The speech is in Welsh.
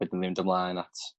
wedyn mynd ymlaen at